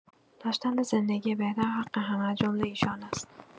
داشتن زندگی بهتر، حق همه، از جمله ایشان است.